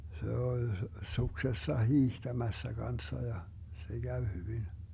se oli suksessa hiihtämässä kanssa ja se kävi hyvin